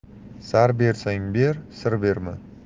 sar bersang ber sir berma